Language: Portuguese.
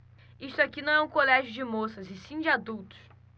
isto aqui não é um colégio de moças e sim de adultos